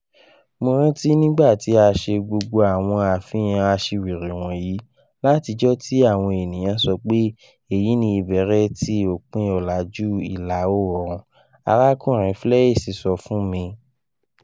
"Mo ranti nigba ti a ṣe gbogbo awọn afihan aṣiwere wọnyi latijọ ti awọn eniyan sọ pe,"Eyi ni ibẹrẹ ti opin ọlaju ila oorun, "" Arakunrin Fleiss sọ fun mi.